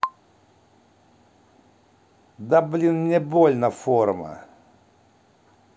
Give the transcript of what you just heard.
да блин мне больно форма